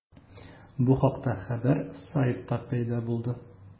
Бу хакта хәбәр сайтта пәйда булды.